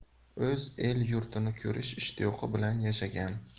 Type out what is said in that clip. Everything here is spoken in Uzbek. o'z el yurtini ko'rish ishtiyoqi bilan yashagan